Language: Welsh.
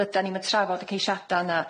Dydan ni'm yn trafod y ceisiada' yna.